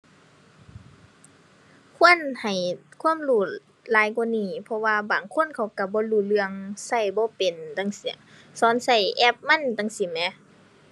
ควรให้ความรู้หลายกว่านี้ เพราะว่าบางคนเขาก็บ่รู้เรื่อง ก็บ่เป็นจั่งซี้ สอนก็แอปมันจั่งซี้แหม